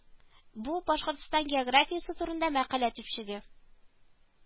Бу Башкортстан географиясе турында мәкалә төпчеге